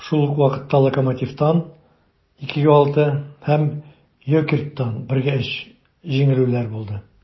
Шул ук вакытта "Локомотив"тан (2:6) һәм "Йокерит"тан (1:3) җиңелүләр булды.